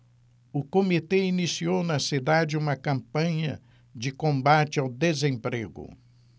o comitê iniciou na cidade uma campanha de combate ao desemprego